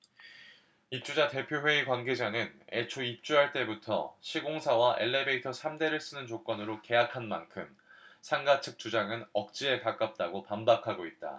입주자 대표회의 관계자는 애초 입주할 때부터 시공사와 엘리베이터 삼 대를 쓰는 조건으로 계약한 만큼 상가 측 주장은 억지에 가깝다고 반박하고 있다